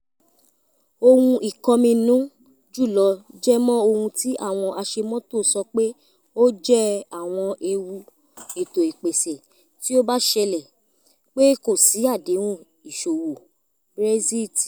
Ohun ìkọminú jùlọ jẹ́mọ́ ohun tí àwọn aṣemọ́tò sọ pé ọ jẹ àwọń èwu ètò ìpèsè tí ó bá ṣẹlẹ̀ pé kò sí àdéhun ìṣòwò Brexit.